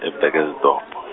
at Burgersdorp.